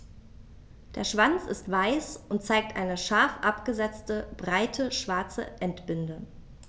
Der Schwanz ist weiß und zeigt eine scharf abgesetzte, breite schwarze Endbinde.